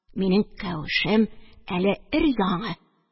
Минем кәвешем әле өр-яңы...